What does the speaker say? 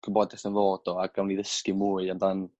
gwybodaeth yn ddod o ag gawni ddysgu mwy amdan